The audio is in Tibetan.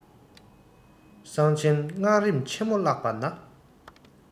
གསང ཆེན སྔགས རིམ ཆེན མོ བཀླགས པ ན